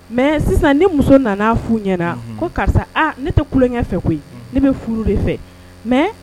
Mais sisan ni muso nana fu ɲɛna ko karisa aa ne tɛ tulon kɛ fɛ koyi ne bɛ furu de fɛ mais